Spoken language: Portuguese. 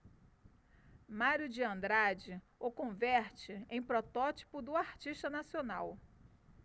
mário de andrade o converte em protótipo do artista nacional